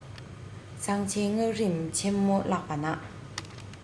གསང ཆེན སྔགས རིམ ཆེན མོ བཀླགས པ ན